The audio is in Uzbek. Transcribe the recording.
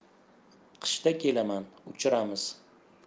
qishda kelaman uchirasiz